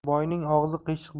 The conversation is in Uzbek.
boyning og'zi qiyshiq